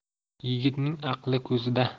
yigitning aqli ko'zida